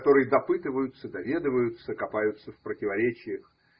которые допытываются, доведываются, копаются в противоречиях.